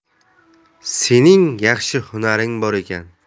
sening yaxshi hunaring bor ekan